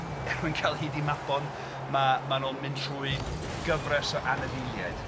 mae'n ca'l hyd i Mabon ma' ma' nw'n mynd trwy gyfres o anifeiliaid